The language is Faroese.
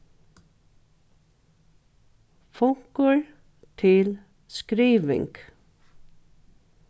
funkur til skriving